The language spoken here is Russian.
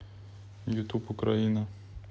ютуб украина